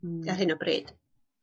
Mm. Ar hyn o bryd.